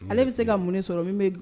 Ale bɛ se ka mun sɔrɔ min